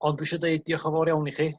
ond dwi isio deud diolch yn fowr iawn i chi